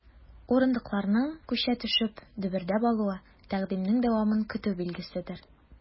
Урындыкларның, күчә төшеп, дөбердәп алуы— тәкъдимнең дәвамын көтү билгеседер.